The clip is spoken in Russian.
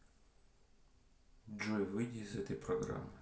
джой выйди из этой программы